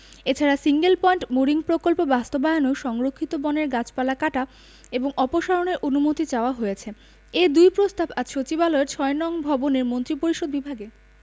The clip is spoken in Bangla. এছাড়া সিঙ্গেল পয়েন্ট মোরিং প্রকল্প বাস্তবায়নেও সংরক্ষিত বনের গাছপালা কাটা এবং অপসারণের অনুমোদন চাওয়া হয়েছে এ দুই প্রস্তাব আজ সচিবালয়ের ৬ নং ভবনের মন্ত্রিপরিষদ বিভাগের